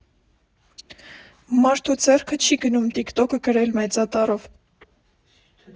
Մարդու ձեռը չի գնում տիկ֊տոկը գրել մեծատառով։